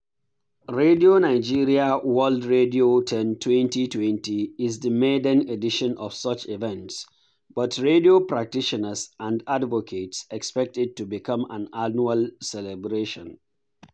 Radio Nigeria World Radio Day 2020 is the maiden edition of such events but radio practitioners and advocates expect it to become an annual celebration.